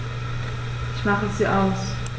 Ich mache sie aus.